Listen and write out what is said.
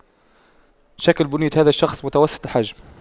شكل بنية هذا الشخص متوسط الحجم